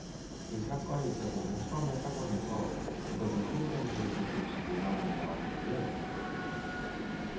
그 사건에 있어서는 처음에 사고 낸 거 그것은 수리 견적이 백 육십 오 만 원 나왔는데요